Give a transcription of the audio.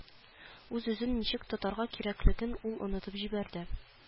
Үз-үзен ничек тотарга кирәклеген ул онытып җибәрде